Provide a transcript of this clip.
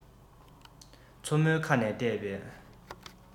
མཚོ མོའི ཁ ནས ལྟས པས